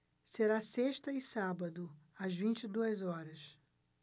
será sexta e sábado às vinte e duas horas